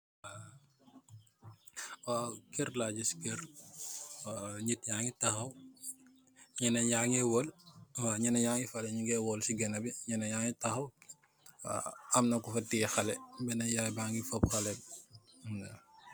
Waaw, kër laa gis, kër. Nit yaa ngi taxaw, ñenen yaa ngi wër. Waaw, ñenen ñaa ngi wër, ñenen yaa ngi taxaw. Waaw, am na ku fa tiye xaaley, benen yaay baa ngi fob xalé.